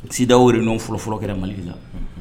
C D A O réunion fɔlɔ fɔlɔ kɛra Mali de la.